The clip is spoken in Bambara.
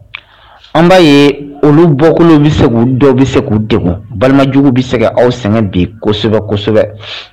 An ba ye olu bɔkolow bɛ se k'u bɛ se k'u degun ksɛbɛ, balimajugu bɛ se k'u sɛgɛn bi kosɛbɛ kosɛbɛ